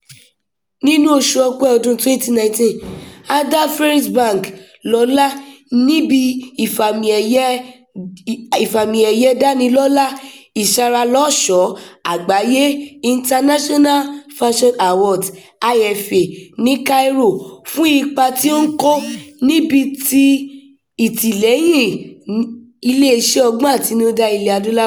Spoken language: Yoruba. Nínú oṣù Ọ̀pẹ̀ ọdún-un 2019, a dá Afreximbank lọ́lá níbi Ìfàmìẹ̀yẹdánilọ́lá Ìṣaralọ́ṣọ̀ọ́ Àgbáyé International Fashion Awards (IFA) ní Cairo fún ipa tí ó ń kó níbi ti ìtìlẹ́yìn-in iléeṣẹ́ ọgbọ́n àtinudá Ilẹ̀-Adúláwọ̀.